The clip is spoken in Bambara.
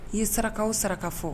I ye saraka o saraka fɔ